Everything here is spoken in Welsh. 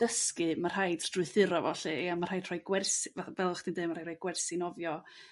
dysgu ma' rhaid strwythuro fol 'lly a ma' rhaid rhoi gwers- fath a... Fel 'dych chi d'eu' ma' rai' roi gwersi nofio,